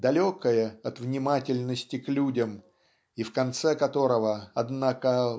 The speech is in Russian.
далекое от внимательности к людям и в конце которого однако